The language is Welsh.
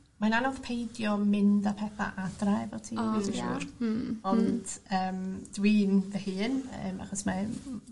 mae'n anodd peidio mynd â petha adre efo ti . Hmm hmm. Ond yym dwi'n fy hun yym achos mae m-